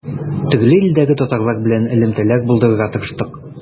Төрле илдәге татарлар белән элемтәләр булдырырга тырыштык.